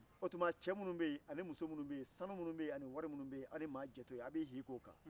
o tuma cɛ minnu bɛ yen ani muso minnu bɛ ye sanu minnu bɛ ye ani wari minnu bɛ ye aw bɛ hi k'o kan